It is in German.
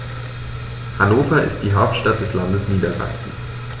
Hannover ist die Hauptstadt des Landes Niedersachsen.